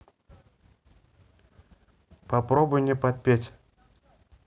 попробуй не подпеть